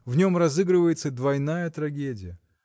В нем разыгрывается двойная трагедия.